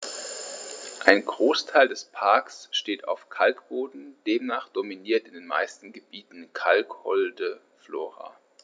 Ein Großteil des Parks steht auf Kalkboden, demnach dominiert in den meisten Gebieten kalkholde Flora.